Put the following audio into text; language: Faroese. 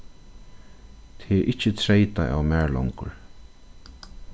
tað er ikki treytað av mær longur